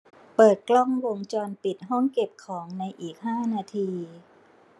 เปิดกล้องวงจรปิดห้องเก็บของในอีกห้านาที